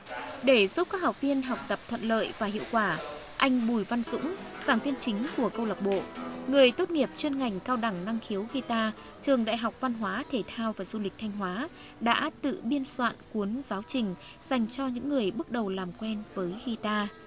để giúp các học viên học tập thuận lợi và hiệu quả anh bùi văn dũng giảng viên chính của câu lạc bộ người tốt nghiệp chuyên ngành cao đẳng năng khiếu ghi ta trường đại học văn hóa thể thao và du lịch thanh hóa đã tự biên soạn cuốn giáo trình dành cho những người bước đầu làm quen với ghi ta